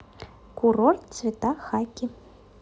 курорт цвета хаки